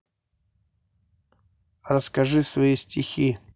расскажи свои стихи